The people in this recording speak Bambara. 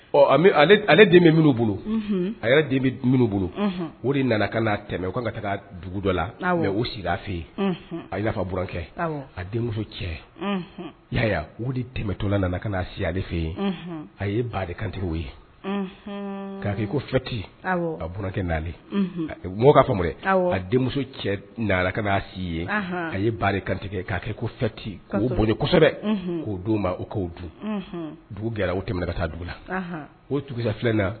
Ɔ ale minnu bolo a bolo o de nana ka' tɛmɛ u kan ka taa dugu dɔ la u sigi fɛ yen a'a bkɛ a denmuso cɛ ya u de tɛmɛtɔla nana ka'a siya fɛ yen a ye ba kantigɛ ye k'a ko fɛti a burankɛ naalen mɔgɔ'a fɔ a denmuso cɛ ka a si ye a ye ba kantigɛ k'a ko fɛti k'o bon kosɛbɛ k'o don ma o k'o dun dugu kɛra o tɛmɛna ka taa dugu la o dugusa filɛ na